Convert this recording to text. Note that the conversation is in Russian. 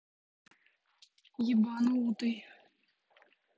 ебанутый